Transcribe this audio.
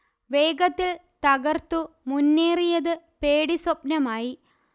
വേഗത്തിൽ തകർത്തു മുന്നേറിയത് പേടി സ്വപ്നമായി